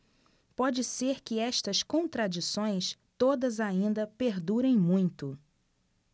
pode ser que estas contradições todas ainda perdurem muito